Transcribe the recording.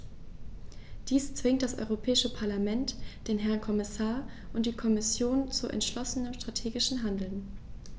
Dies zwingt das Europäische Parlament, den Herrn Kommissar und die Kommission zu entschlossenem strategischen Handeln.